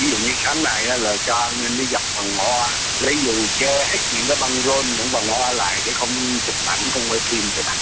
ví dụ như sáng nay á là cho an ninh đến giật vòng mõ lấy dù che hết những cái băng rôn những vòng hoa lại để không chụp ảnh không quay phim được